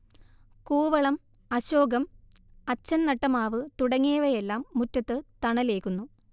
കൂവളം, അശോകം, അച്ഛൻ നട്ട മാവ് തുടങ്ങിയവയെല്ലാം മുറ്റത്ത് തണലേകുന്നു